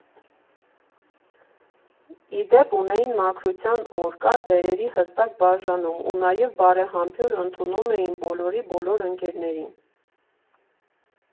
Ի դեպ, ունեին մաքրության օր, կար դերերի հստակ բաժանում, ու նաև բարեհամբույր ընդունում էին բոլորի բոլոր ընկերներին։